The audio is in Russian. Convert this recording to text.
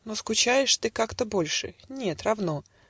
- Но скучаешь Ты как-то больше. - "Нет, равно.